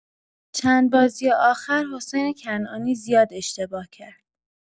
چند بازی آخر حسین کنعانی زیاد اشتباه کرد.